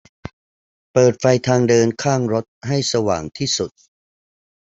เปิดไฟทางเดินข้างรถให้สว่างที่สุด